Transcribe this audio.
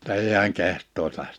jotta ei hän kehtaisi -